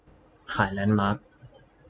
ขายแลนด์มาร์ค